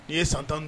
N'i ye ye san 10 ni